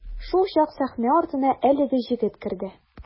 Шулчак сәхнә артына әлеге җегет керде.